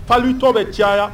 Fali tɔ bɛ caya